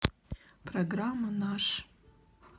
программа наш